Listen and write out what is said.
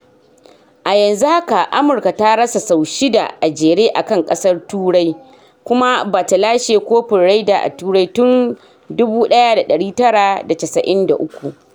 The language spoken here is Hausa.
A yanzu haka Amurka ta rasa sau shida a jere akan kasar Turai kuma ba ta lashe kofin Ryder a Turai tun 1993.